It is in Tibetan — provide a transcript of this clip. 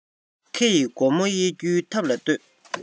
ཁེ ཡི སྒོ མོ དབྱེ རྒྱུའི ཐབས ལ ལྟོས